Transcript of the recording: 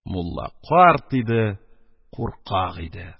Мулла карт иде, куркак иде.